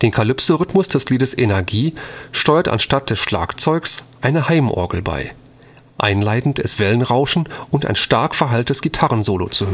Calypso-Rhythmus des Liedes Energie steuert anstatt des Schlagzeugs eine Heimorgel bei. Einleitend ist Wellenrauschen und ein stark verhalltes Gitarrensolo zu